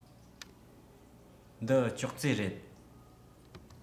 འདི ཅོག ཙེ རེད